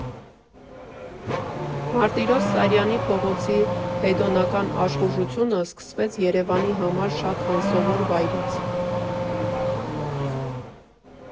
Մարտիրոս Սարյանի փողոցի հեդոնական աշխուժությունը սկսվեց Երևանի համար շատ անսովոր վայրից։